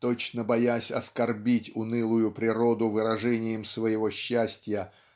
точно боясь оскорбить унылую природу выражением своего счастья